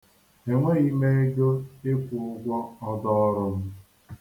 Enweghị m ego ịkwụ ụgwọ ọdọọrụ m.